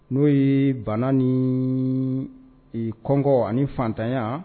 N'o ye bana ni kɔnko ani fatanya